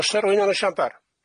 O's na rywun yn y siambar?